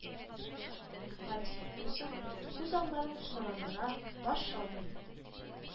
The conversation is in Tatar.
Гать йолкыйсың, күз алларың томанландыра, баш шаулый